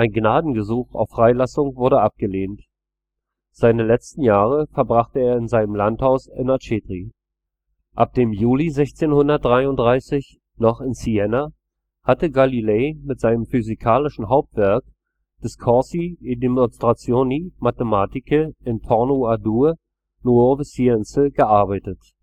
Gnadengesuch auf Freilassung wurde abgelehnt. Seine letzten Jahre verbrachte er in seinem Landhaus in Arcetri. Ab dem Juli 1633 – noch in Siena – hatte Galilei an seinem physikalischen Hauptwerk Discorsi e Dimostrazioni Matematiche intorno a due nuove scienze gearbeitet